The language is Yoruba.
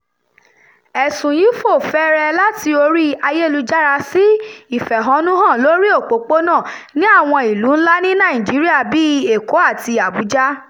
Ẹ̀sùn yìí fò fẹ̀rẹ̀ láti orí ayélujára sí ìfẹ̀hónúhàn lóríi òpópónà ní àwọn ìlú ńlá ní Nàìjíríà bíi Èkó àti Abuja.